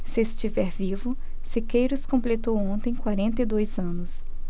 se estiver vivo sequeiros completou ontem quarenta e dois anos